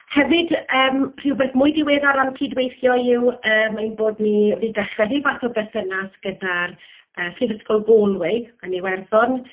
Hefyd yym rhywbeth mwy diweddar o ran cydweithio yw yym ein bod ni wedi dechrau rhyw fath o berthynas gyda'r yy Phrifysgol Galway yn Iwerddon.